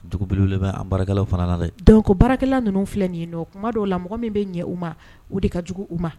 Dugu de bɛ a baarakɛlaw fana na dɛ donc baarakɛla ninnu filɛ nin ye nɔ o kuma dɔw la mɔgɔ min bɛ ɲɛ u ma u de ka jugu u ma